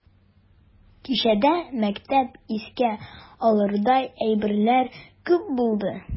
Кичәдә мактап искә алырдай әйберләр күп булды.